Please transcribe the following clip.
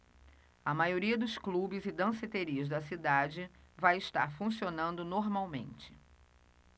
a maioria dos clubes e danceterias da cidade vai estar funcionando normalmente